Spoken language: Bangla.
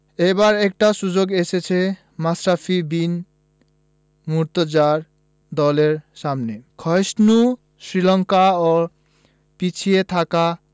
এবার একটা সুযোগ এসেছে মাশরাফি বিন মুর্তজার দলের সামনে ক্ষয়িষ্ণু শ্রীলঙ্কা ও পিছিয়ে থাকা